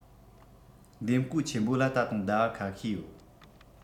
འདེམས བསྐོ ཆེན པོ ལ ད དུང ཟླ བ ཁ ཤས ཡོད